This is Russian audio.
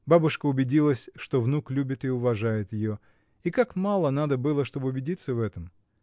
Бабушка убедилась, что внук любит и уважает ее: и как мало надо было, чтобы убедиться в этом!